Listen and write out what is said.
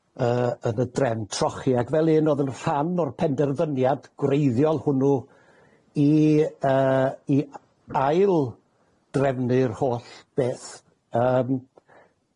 yy yn y drefn trochi. Ac fel un o'dd yn rhan o'r penderfyniad gwreiddiol hwnnw i yy i a- aildrefnu'r holl beth, yym.